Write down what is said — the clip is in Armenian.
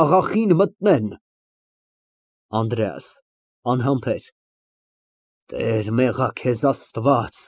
Աղախին մտնեն…»։ ԱՆԴՐԵԱՍ ֊ (Անհամբեր) Տեր մեղա քեզ Աստված։